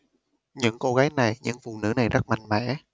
những cô gái này những phụ nữ này rất mạnh mẽ